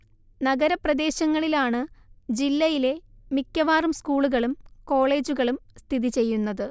നഗരപ്രദേശങ്ങളിലാണ് ജില്ലയിലെ മിക്കവാറും സ്കൂളുകളും കോളേജുകളും സ്ഥിതി ചെയ്യുന്നത്